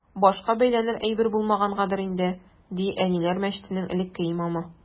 Башка бәйләнер әйбер булмагангадыр инде, ди “Әниләр” мәчетенең элекке имамы.